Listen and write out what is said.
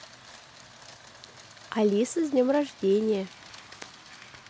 алиса с днем рождения